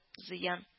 Зыян